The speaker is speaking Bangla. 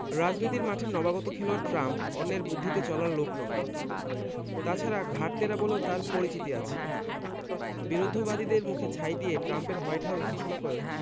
রাজনীতির মাঠের নবাগত খেলোয়াড় ট্রাম্প অন্যের বুদ্ধিতে চলার লোক নন তা ছাড়া ঘাড় ত্যাড়া বলেও তাঁর পরিচিতি আছে বিরুদ্ধবাদীদের মুখে ছাই দিয়ে ট্রাম্পের হোয়াইট হাউস ঘোষণা করে